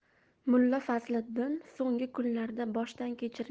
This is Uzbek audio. mulla fazliddin so'nggi kunlarda boshdan kechirgan mudhish